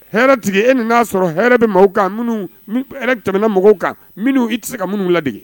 Hɛrɛtigi e nin'a sɔrɔ hɛrɛ bɛ mɔgɔw kan tɛmɛna mɔgɔw kan minnu i tɛ se ka minnu lade